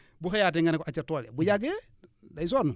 bu xëyaatee nga ne ko ayca tool yabu yàggee day sonn